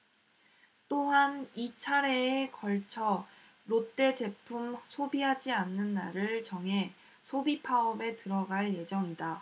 또한 이 차례에 걸쳐 롯데 제품 소비하지 않는 날을 정해 소비 파업에 들어갈 예정이다